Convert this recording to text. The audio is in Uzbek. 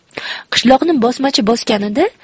qishloqni bosmachi bosganida